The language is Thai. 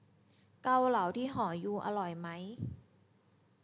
เกาเหลาที่หอยูอร่อยไหม